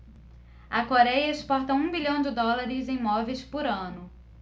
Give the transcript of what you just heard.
a coréia exporta um bilhão de dólares em móveis por ano